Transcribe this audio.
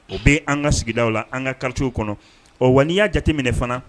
O bɛ an ka sigida la an ka karisow kɔnɔ ɔ w n y'a jateminɛ fana